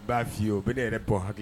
Ba fɔye o bɛ ne yɛrɛɔ hakɛ